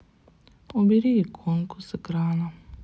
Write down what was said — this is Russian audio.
убери иконку с экрана